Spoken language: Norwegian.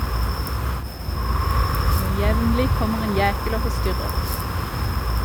Men jevnlig kommer en jækel og forstyrrer.